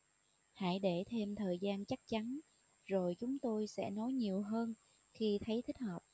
hãy để thêm thời gian chắc chắn rồi chúng tôi sẽ nói nhiều hơn khi thấy thích hợp